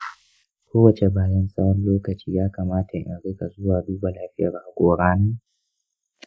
kowace bayan tsawon lokaci ya kamata in riƙa zuwa duba lafiyar haƙorana?